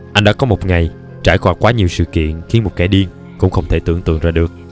anh đã có một ngày trải qua quá nhiều sự kiện khiến một kẻ điên cũng không thể tưởng tượng ra được